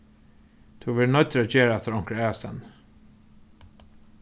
tú verður noyddur at gera hatta onkra aðrastaðni